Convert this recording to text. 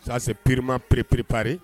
Walasase perep- pp-p-pre